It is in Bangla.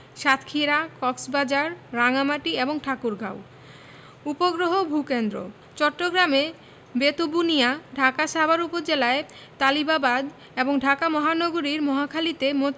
সাতক্ষীরা কক্সবাজার রাঙ্গামাটি এবং ঠাকুরগাঁও উপগ্রহ ভূ কেন্দ্রঃ চট্টগ্রামে বেতবুনিয়া ঢাকার সাভার উপজেলায় তালিবাবাদ এবং ঢাকা মহানগরীর মহাখালীতে মোট